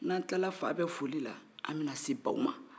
n'an kilala fa bɛɛ foli la an bɛna se baw ma